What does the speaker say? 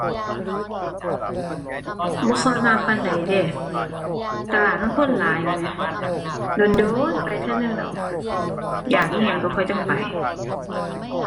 บ่ค่อยมักปานใดเดะ ตลาดมันคนหลายแหมะ โดนโดนไปเทื่อหนึ่งดอก อยากอิหยังก็ค่อยจั่งไป